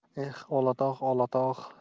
eh olatog' olatog'